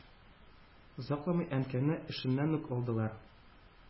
Озакламый Әнкәйне эшеннән үк алдылар.